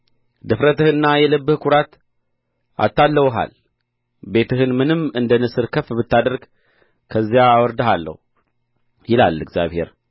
ድፍረትህና የልብህ ኵራት አታልለውሃል ቤትህን ምንም እንደ ንስር ከፍ ብታደርግ ከዚያ አወርድሃለሁ ይላል እግዚአብሔር